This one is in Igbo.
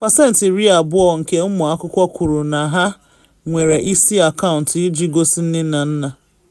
Pasentị iri abụọ nke ụmụ akwụkwọ kwuru na ha nwere “isi” akaụntụ iji gosi nne na nna